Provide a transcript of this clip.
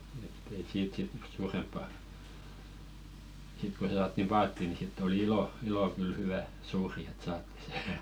että ei siitä sitten suurempaa sitten kun e saatiin paattiin niin sitten oli ilo ilo kyllä hyvä suuri että saatiin se